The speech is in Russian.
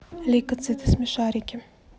лейкоциты смешарики